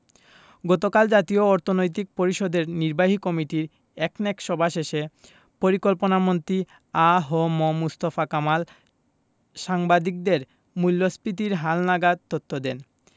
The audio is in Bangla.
গতকাল জাতীয় অর্থনৈতিক পরিষদের নির্বাহী কমিটির একনেক সভা শেষে পরিকল্পনামন্ত্রী আ হ ম মুস্তফা কামাল সাংবাদিকদের মূল্যস্ফীতির হালনাগাদ তথ্য দেন